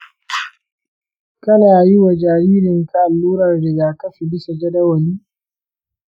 kana yi wa jaririnka allurar rigakafi bisa jadawali?